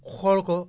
xool ko